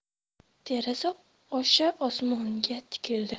deraza osha osmonga tikildi